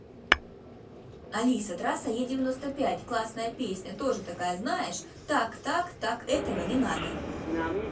алиса трасса е девяносто пять классная песня тоже такая знаешь так так так этого не надо